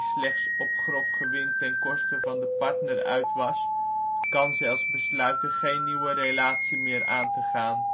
slechts op grof gewin ten koste van de partner uit was, kan zelfs besluiten geen nieuwe relatie meer aan te gaan